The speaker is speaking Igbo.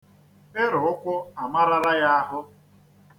Ịrụ ụkwụ amarala ya ahụ.